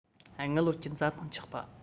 དངུལ ལོར གྱི འཛའ ཐང ཆག པ